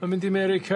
Ma'n mynd i America.